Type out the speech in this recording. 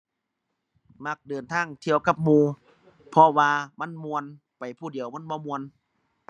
มักเดินทางเที่ยวกับหมู่ เพราะว่ามันม่วน ไปผู้เดียวมันบ่ม่วน